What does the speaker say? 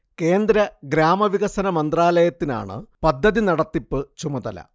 കേന്ദ്ര ഗ്രാമവികസന മന്ത്രാലയത്തിനാണ് പദ്ധതി നടത്തിപ്പ് ചുമതല